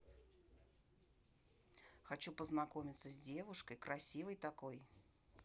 хочу познакомиться с девушкой красивой такой